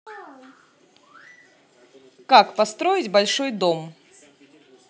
как построить большой дом